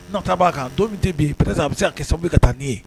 N nata b'a kan don min tɛ bi ye peut être a bɛ se ka kɛ sababu ye ka taa ni n ye